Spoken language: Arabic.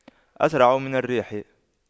أسرع من الريح